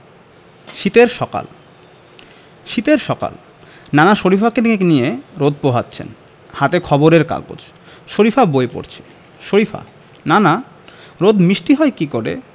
শীতের সকাল শীতের সকাল নানা শরিফাকে নিয়ে রোদ পোহাচ্ছেন হাতে খবরের কাগজ শরিফা বই পড়ছে শরিফা নানা রোদ মিষ্টি হয় কী করে